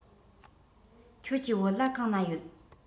ཁྱོད ཀྱི བོད ལྭ གང ན ཡོད